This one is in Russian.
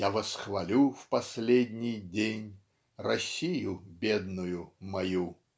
Я восхвалю в последний день Россию бедную мою.